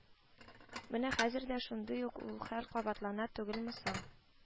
Менә хәзер дә шундый ук хәл кабатлана түгелме соң